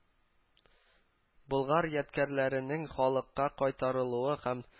Болгар ядкәрләренең халыкка кайтарылуы һәм